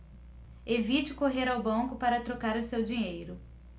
evite correr ao banco para trocar o seu dinheiro